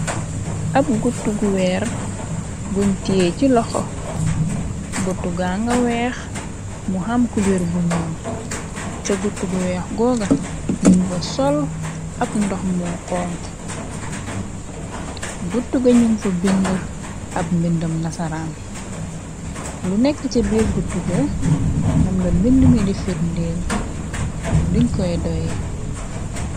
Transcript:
Ab gutu gu weer guñ tyee ci loxo gutuga nga weex mu ham kubeer gu ñyool ca gut gu weex googa ñung ba sol ab ndox moo xonq gutu ga ñung ba bindi ab mbindam nasaraan lu nekk ca biir gutuga moom la mbindi mi di firndiel luñ koy doye.